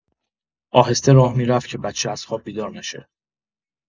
آهسته راه می‌رفت که بچه از خواب بیدار نشه.